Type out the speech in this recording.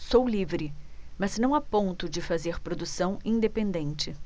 sou livre mas não a ponto de fazer produção independente